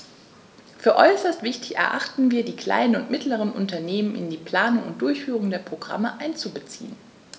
Für äußerst wichtig erachten wir, die kleinen und mittleren Unternehmen in die Planung und Durchführung der Programme einzubeziehen.